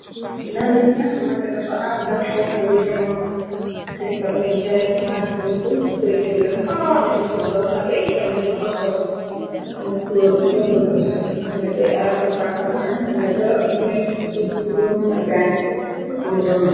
Dal yi nga xamante dafa àandaq xew xewu jamono bu koy paral di jaay ci marsf nu boy di koy jënd ñe diko sol xale yi parnet di ko sol mu ame plor bi nga bëggfna xamne day ar satank buñu xamne dara yu nekk ci suurti du lu mëna gaañamu jamool.